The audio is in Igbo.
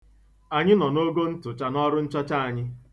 Anyị nọ n'ogo ntụcha n'ọrụ nchọcha anyị.